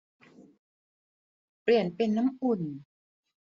เปลี่ยนเป็นน้ำอุ่น